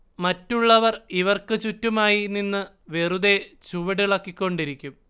മറ്റുള്ളവർ ഇവർക്കു ചുറ്റുമായി നിന്ന് വെറുതേ ചുവടിളക്കിക്കൊണ്ടിരിക്കും